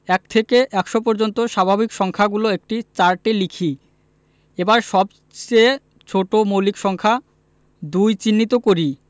১ থেকে ১০০ পর্যন্ত স্বাভাবিক সংখ্যাগুলো একটি চার্টে লিখি এবার সবচেয়ে ছোট মৌলিক সংখ্যা ২ চিহ্নিত করি